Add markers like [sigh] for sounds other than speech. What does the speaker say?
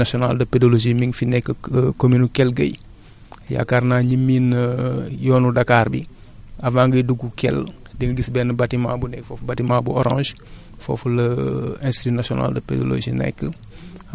institut national de pédologie mi ngi fi nekk [hesitation] commune Kell Guèye yaakaar naa yaakaar naa ñi miin [hesitation] yoonu Dakar bi avant ngay dugg Kell di nga gis benn batimat bu ne foofu batimat bu orange foofu la [hesitation] institut national de pédologie nekk